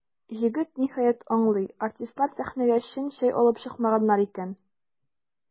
Җегет, ниһаять, аңлый: артистлар сәхнәгә чын чәй алып чыкмаганнар икән.